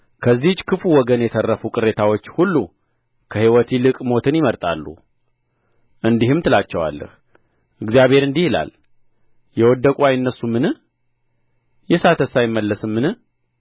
ከዚህች ክፉ ወገን የተረፉ ቅሬታዎች ሁሉ ከሕይወት ይልቅ ሞትን ይመርጣሉ እንዲህም ትላቸዋለሁ እግዚአብሔር እንዲህ ይላል የወደቁ አይነሡምን የሳተስ አይመለስምን